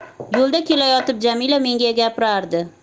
yo'lda kelayotib jamila menga gapirardi